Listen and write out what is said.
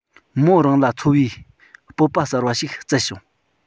མོ རང ལ འཚོ བའི སྤོབས པ གསར བ ཞིག བསྩལ བྱུང